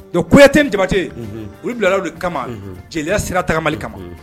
Don kuya kuyate jamabate olu bilala de kama jeliyaya sira tagama kama